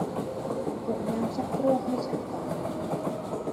กดน้ำชักโครกให้ฉันตอนนี้